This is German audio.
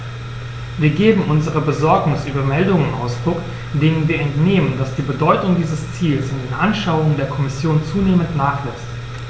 Wir geben unserer Besorgnis über Meldungen Ausdruck, denen wir entnehmen, dass die Bedeutung dieses Ziels in den Anschauungen der Kommission zunehmend nachlässt.